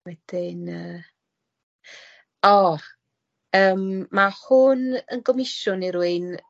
Wedyn yy. O, ma' hwn yn gomisiwn i rywun